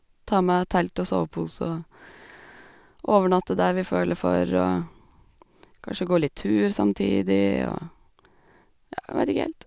Ta med telt og sovepose og overnatte der vi føler for og Kanskje gå litt tur samtidig og, ja, vet ikke helt.